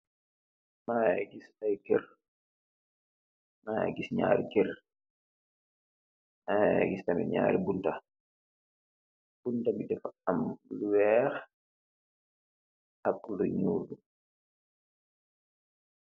Mage giss aye kerr, mage giss nyari kerr, mage giss tamin nyari bunta, buntabi dafa am lu weeh ak lu njol.